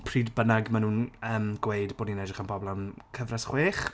Pryd bynnag maen nhw'n yym gweud bod ni'n edrych am bobl am cyfres chwech...